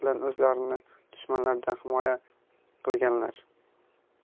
bilan o'zlarini dushmanlaridan himoya qilganlar